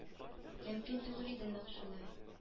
Мөмкин түгел иде нәкъ шулай